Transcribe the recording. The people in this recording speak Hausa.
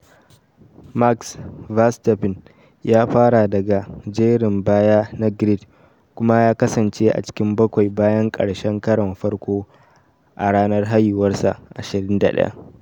Max Verstappen ya fara daga jerin baya na grid kuma ya kasance a cikin bakwai bayan ƙarshen karon farko a ranar haihuwarsa 21.